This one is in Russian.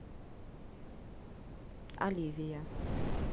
оливия